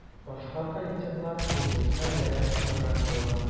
Башка коллективлар күп булса, бәйрәм кызыграк була.